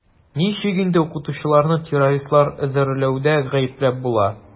Ничек инде укытучыларны террористлар әзерләүдә гаепләп була?